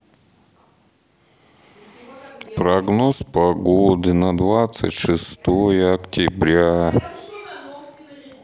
прогноз погоды на двадцать шестое октября